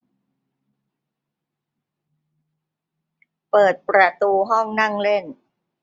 เปิดประตูห้องนั่งเล่น